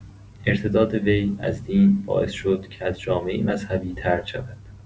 ارتداد وی از دین باعث شد که از جامعه مذهبی طرد شود.